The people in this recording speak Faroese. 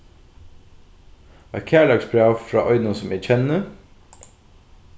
eitt kærleiksbræv frá einum sum eg kenni